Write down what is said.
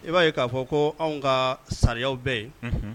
I b'a ye k'a fɔ ko anw ka saya bɛɛ ye